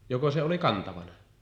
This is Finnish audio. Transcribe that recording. joko se oli kantavana